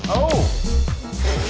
ú